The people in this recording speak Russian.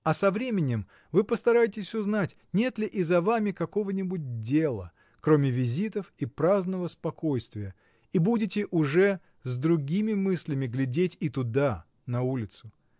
А со временем вы постараетесь узнать, нет ли и за вами какого-нибудь дела, кроме визитов и праздного спокойствия, и будете уже с другими мыслями глядеть и туда, на улицу.